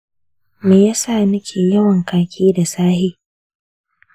me yasa nake yawan kaki da safe?